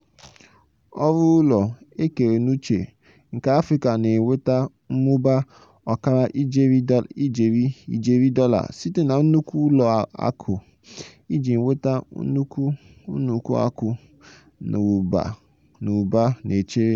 Ụlọ ọrụ ekeere uche nke Africa na-enweta mmụba ọkara ijeri dollar site na nnukwu ụlọ akụ iji nweta nnukwu akụ na ụba na-echere.